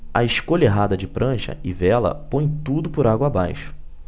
a escolha errada de prancha e vela põe tudo por água abaixo